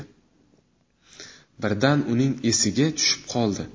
birdan uning esiga tushib qoldi